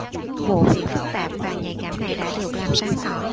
vụ việc phức tạp và nhạy cảm này đã được làm sáng tỏ